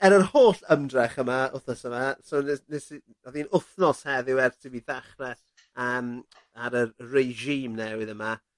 er yr holl ymdrech yma wthnos yma so ne- nes i odd e'n wthnos heddiw ers i fi ddachre yym ar yr regime newydd yma